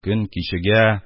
Көн кичегә,